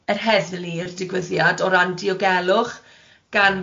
Yr heddlu i'r digwyddiad o ran diogelwch gan fod